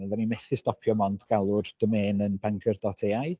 Oeddan ni methu stopio mond galw'r domain yn Bangor dot AI